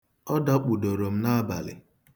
Ọ dakpudoro m n'abalị.